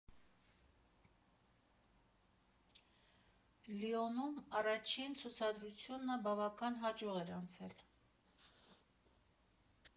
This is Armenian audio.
Լիոնում առաջին ցուցադրությունը բավական հաջող էր անցել։